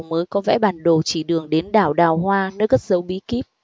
mới có vẽ bản đồ chỉ đường đến đảo đào hoa nơi cất giấu bí kíp